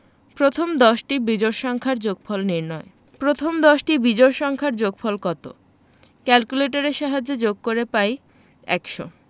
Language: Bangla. প্রথম দশটি বিজোড় সংখ্যার যোগফল নির্ণয় প্রথম দশটি বিজোড় সংখ্যার যোগফল কত ক্যালকুলেটরের সাহায্যে যোগ করে পাই ১০০